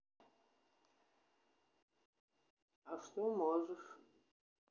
а что можешь